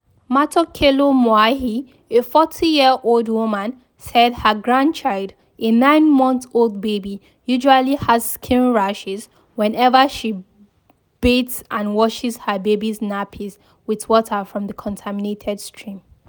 Matokelo Moahi, a 40-year-old woman, said her grandchild, a nine-month-old baby, usually has skin rashes whenever she bathes and washes the baby's nappies with water from the contaminated stream.